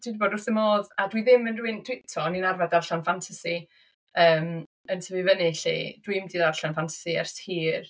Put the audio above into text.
Dwi 'di bod wrth fy modd, a dwi ddim yn rywun... Dwi... tibod o'n i'n arfer darllen ffantasi yym yn tyfu fyny 'lly, dwi'm 'di darllen ffantasi ers hir.